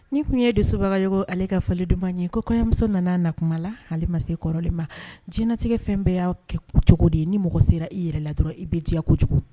Nin tun ye debagay ale ka fa dumanba ɲɛ ye ko kɔɲɔmuso nana na kuma la hali ma se kɔrɔlen ma jinɛinatigɛ fɛn bɛɛ y'a kɛ cogo de ye ni mɔgɔ sera i yɛrɛ la dɔrɔn i bɛ diyako kojugu